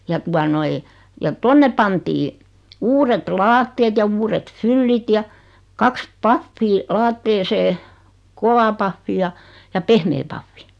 ja tuota noin ja tuonne pantiin uudet lattiat ja uudet fyllit ja kaksi pahvia lattiaan kova pahvi ja ja pehmeä pahvi